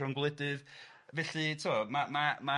rhwng gwledydd felly ti'bod ma' ma' ma'